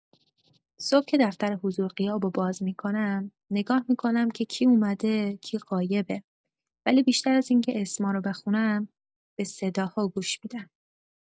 صبح که دفتر حضور و غیاب رو باز می‌کنم، نگاه می‌کنم که کی اومده، کی غایبه، ولی بیشتر از اینکه اسما رو بخونم، به صداها گوش می‌دم.